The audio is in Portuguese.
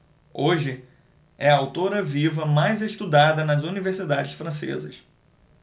hoje é a autora viva mais estudada nas universidades francesas